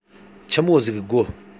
ཆི མོ ཟིག དགོ